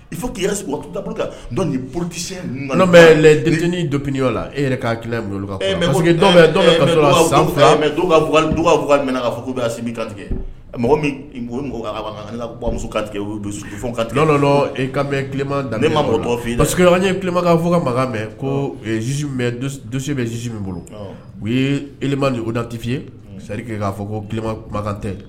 I fɔ k'i ptese nin donpiniyɔrɔ la e yɛrɛ k' ki kan kantigɛmuso ka mɛnma dan yemakan fɔ ka makan mɛn dususi bɛ zzsi min bolo u ye ema nin o datiyerike'a fɔ kolema kumakantɛ